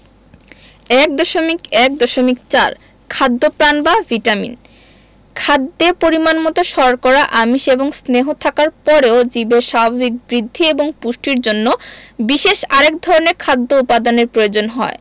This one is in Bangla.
১.১.৪ খাদ্যপ্রাণ বা ভিটামিন খাদ্যে পরিমাণমতো শর্করা আমিষ এবং স্নেহ থাকার পরেও জীবের স্বাভাবিক বৃদ্ধি এবং পুষ্টির জন্য বিশেষ আরেক ধরনের খাদ্য উপাদানের প্রয়োজন হয়